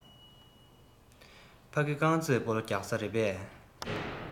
ཕ གི རྐང རྩེད སྤོ ལོ རྒྱག ས རེད པས